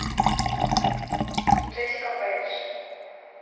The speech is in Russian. джессика пейдж